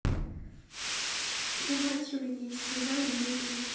замачивание семян в эпине